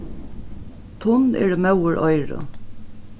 tunn eru móður oyru